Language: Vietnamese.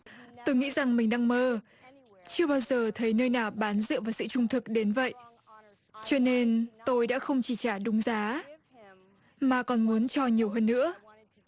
tôi nghĩ rằng mình đang mơ chưa bao giờ thấy nơi nào bán rượu và sự trung thực đến vậy cho nên tôi đã không chi trả đúng giá mà còn muốn cho nhiều hơn nữa